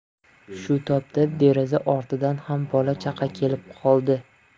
shu topda deraza ortidan ham bola chaqa kelib qoldi